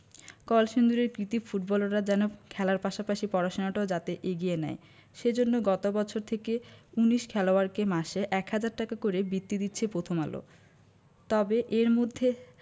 কলসিন্দুরের কৃতী ফুটবলাররা যেন খেলার পাশাপাশি পড়াশোনাটাও যাতে এগিয়ে নেয় সে জন্য গত বছর থেকে ১৯ খেলোয়াড়কে মাসে ১ হাজার টাকা করে বিত্তি দিচ্ছে প্রথম আলো তবে এর মধ্যে